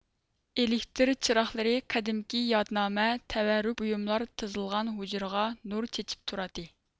ئېلېكتر چىراغلىرى قەدىمكى يادنامە تەۋەررۈك بۇيۇملار تىزىلغان ھۇجرىغا نۇر چېچىپ تۇراتتى